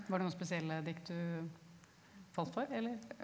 var det noen spesielle dikt du falt for eller?